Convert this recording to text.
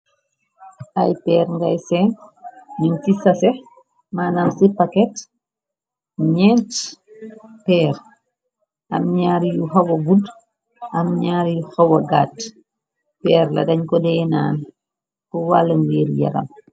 Ay peer ngay seen,! ñun ci sase manam ci paket, ñenc peer, am ñaar yu xawa gudt, am ñaar yu xawa gaat, peer la dañ ko deenaan ku wàll ngiir yaram.